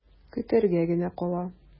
Көтәргә генә кала.